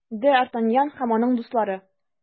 Д’Артаньян һәм аның дуслары.